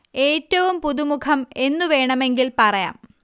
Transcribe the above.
എറ്റവും പുതുമുഖം എന്നു വേണമെങ്കില് പറയാം